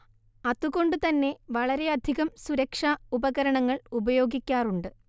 അതുകൊണ്ട് തന്നെ വളരെയധികം സുരക്ഷ ഉപകരണങ്ങൾ ഉപയോഗിക്കാറുണ്ട്